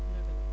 dëgg la